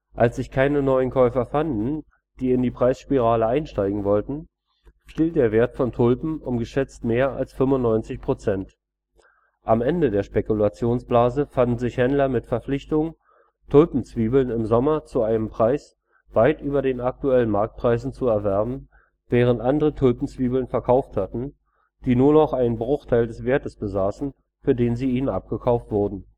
Als sich keine neuen Käufer fanden, die in die Preisspirale einsteigen wollten, fiel der Wert von Tulpen um geschätzt mehr als 95 Prozent. Am Ende der Spekulationsblase fanden sich Händler mit Verpflichtungen, Tulpenzwiebeln im Sommer zu einem Preis weit über den aktuellen Marktpreisen zu erwerben, während andere Tulpenzwiebeln verkauft hatten, die nur noch einen Bruchteil des Wertes besaßen, für den sie ihnen abgekauft wurden